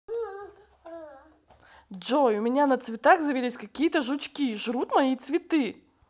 джой у меня на цветах завелись какие то жучки и жрут мои цветы